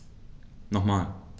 Nochmal.